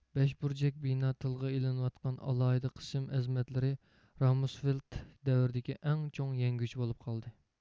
بەشبۇرجەك بىنا تىلغا ئېلىۋاتقان ئالاھىدە قىسىم ئەزىمەتلىرى رامۇسفېلد دەۋرىدىكى ئەڭ چوڭ يەڭگۈچى بولۇپ قالدى